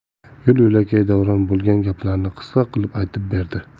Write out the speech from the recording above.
yo'l yo'lakay davron bo'lgan gaplarni qisqa qilib aytib berdi